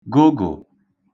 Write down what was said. gụgụ̀